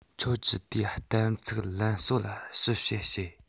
ཁྱོད ཀྱིས དེ གཏན ཚིགས ལམ སྲོལ ལ ཞིབ དཔྱད བྱེད